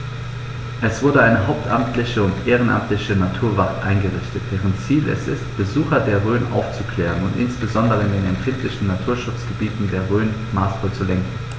Es wurde eine hauptamtliche und ehrenamtliche Naturwacht eingerichtet, deren Ziel es ist, Besucher der Rhön aufzuklären und insbesondere in den empfindlichen Naturschutzgebieten der Rhön maßvoll zu lenken.